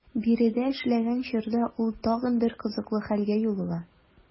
Биредә эшләгән чорда ул тагын бер кызыклы хәлгә юлыга.